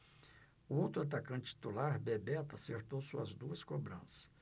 o outro atacante titular bebeto acertou suas duas cobranças